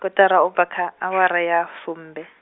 kotara ubva kha, awara y, sumbe.